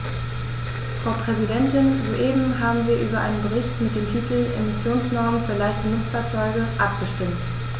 Frau Präsidentin, soeben haben wir über einen Bericht mit dem Titel "Emissionsnormen für leichte Nutzfahrzeuge" abgestimmt.